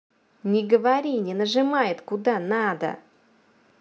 не говори не нажимает куда надо